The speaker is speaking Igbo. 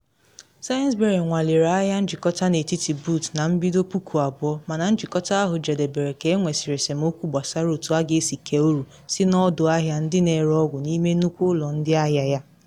Sainsbury nwalere ahịa njikọta n’etiti Boots na mbido 2000, mana njikọta ahụ jedebere ka enwesịrị esemokwu gbasara otu a ga-esi kee uru si na ọdụ ahịa ndị na ere ọgwụ n’ime nnukwu ụlọ ndị ahịa ya.